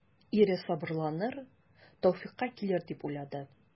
Ире сабырланыр, тәүфыйкка килер дип уйлады.